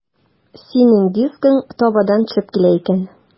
Синең дискың табадан төшеп килә икән.